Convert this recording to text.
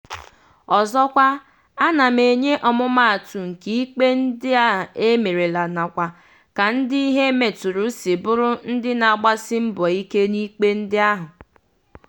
Ọzọkwa, ana m enye ọmụmaatụ nke ikpe ndị e merela nakwa ka ndị ihe meturu si bụrụ ndị na-agbasi mbọ ike n'ikpe ndị ahụ.